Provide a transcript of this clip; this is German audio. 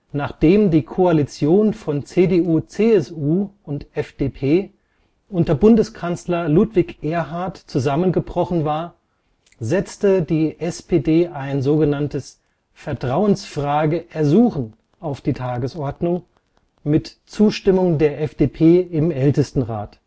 Nachdem die Koalition von CDU/CSU und FDP unter Bundeskanzler Ludwig Erhard zusammengebrochen war, setzte die SPD ein „ Vertrauensfrage-Ersuchen “auf die Tagesordnung, mit Zustimmung der FDP im Ältestenrat